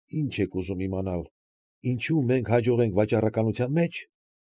Ի՞նչ եք ուզում իմանալ, ինչո՞ւ մենք հաջող ենք վաճառականության մեջ։